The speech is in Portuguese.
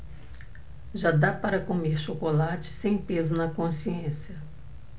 já dá para comer chocolate sem peso na consciência